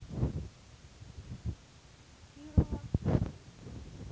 кирова